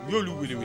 U y'olu